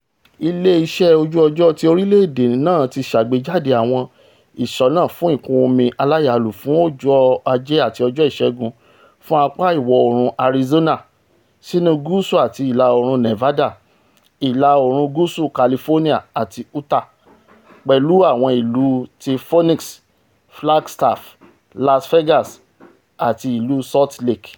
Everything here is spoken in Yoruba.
Ilé-iṣẹ́ Ojú-ọjọ́ ti orílẹ̀-èdè náà ti ṣàgbéjáde àwọn ìṣọ́nà fún ìkún-omi aláyalù fún ọjọ́ Ajé àti ọjọ́ Ìṣẹ́gun fún apà ìwọ-oòrùn Arizona sínu gúùsù àti ìlà-oòrùn Nevada, ìlà-oòrùn gúúsù California àti Utah, pẹ̀lú àwọn ìlú ti Phoenix. Flagstaff, Las Vegas, àti Ìlú Salt Lake.